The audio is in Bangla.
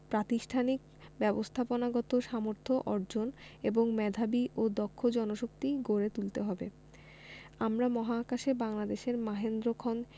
প্রাতিষ্ঠানিক ব্যবস্থাপনাগত সামর্থ্য অর্জন এবং মেধাবী ও দক্ষ জনশক্তি গড়ে তুলতে হবে আমরা মহাকাশে বাংলাদেশের মাহেন্দ্রক্ষণ